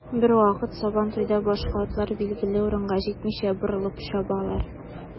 Бервакыт сабантуйда башка атлар билгеле урынга җитмичә, борылып чабалар.